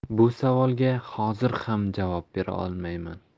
bu savolga hozir ham javob bera olmayman